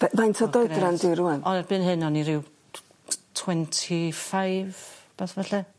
Be'... Faint o'dd dy oedran di rŵan? O erbyn hyn o'n i ryw t- t- twenty five. 'bath felly.